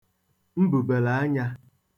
mbùbèlàanyā